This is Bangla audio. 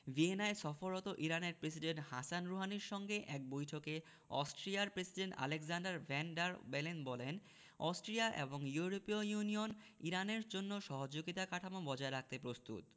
ভিয়েনায় সফররত ইরানের প্রেসিডেন্ট হাসান রুহানির সঙ্গে এক বৈঠকে অস্ট্রিয়ার president Alexander Van der Bellen বলেন অস্ট্রিয়া এবং ইউরোপীয় ইউনিয়ন ইরানের জন্য সহযোগিতা কাঠামো বজায় রাখতে প্রস্তুত